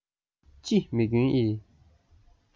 ཅི མི སྐྱོན ཨེ